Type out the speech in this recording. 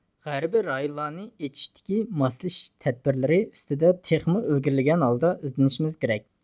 غەربىي رايونلارنى ئېچىشتىكى ماسلىشىش تەدبىرلىرى ئۈستىدە تېخىمۇ ئىلگىرلىگەن ھالدا ئىزدىنىشىمىز كىرەك